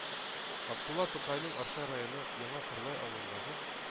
Габдулла Тукайның Арча районы Яңа Кырлай авылындагы